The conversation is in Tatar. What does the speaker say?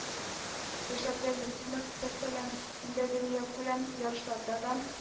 Ришат Зәйнетдинов, мәсәлән, инде дөньякүләм ярышларда да